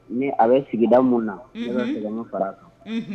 Ni a bɛ sigida min na bɛ sigi fara a kan